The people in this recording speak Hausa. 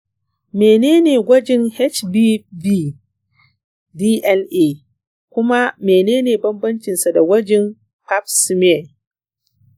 mene ne gwajin hpv dna, kuma menene bambancinsa da gwajin pap smear?